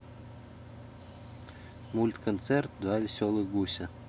мультконцерт два веселых гуся